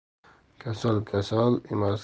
kasal kasal emas